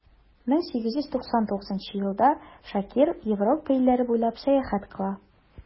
1899 елда шакир европа илләре буйлап сәяхәт кыла.